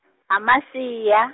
Ha Masia.